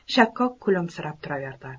shakkok kulimsirab turaverdi